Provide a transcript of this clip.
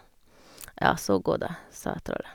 Ja, så gå, da, sa trollet.